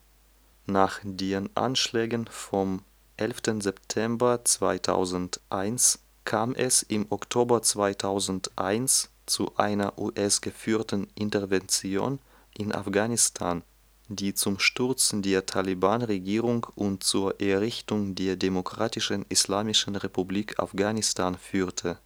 Nach den Anschlägen vom 11. September 2001 kam es im Oktober 2001 zu einer US-geführten Intervention in Afghanistan, die zum Sturz der Talibanregierung und zur Errichtung der demokratischen Islamischen Republik Afghanistan führte